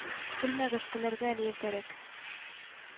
Көлмәгез көлергә әле иртәрәк